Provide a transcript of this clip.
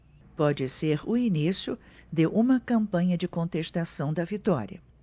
pode ser o início de uma campanha de contestação da vitória